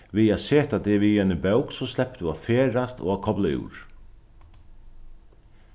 við at seta teg við eini bók so sleppur tú at ferðast og at kobla úr